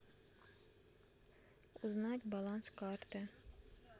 узнать баланс карты